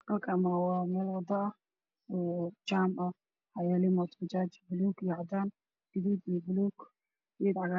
Meeshaan waxaa maraya laba eey oo aad u gaajaysan oo ordaya si ay u helaan biyo iyo cunto